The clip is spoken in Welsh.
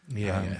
Ie, ie.